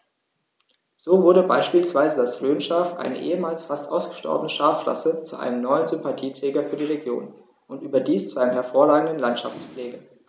So wurde beispielsweise das Rhönschaf, eine ehemals fast ausgestorbene Schafrasse, zu einem neuen Sympathieträger für die Region – und überdies zu einem hervorragenden Landschaftspfleger.